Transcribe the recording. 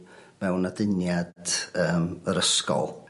... mewn aduniad yym yr ysgol